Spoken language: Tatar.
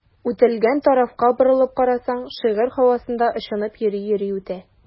Үтелгән тарафка борылып карасаң, шигырь һавасында очынып йөри-йөри үтә.